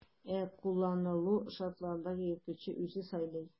Ә кулланылу шартларын йөртүче үзе сайлый.